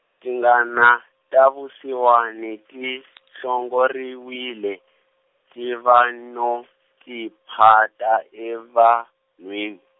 tingana ta vusiwana ti , hlongoriwile, tiva no tiphata evanhwini.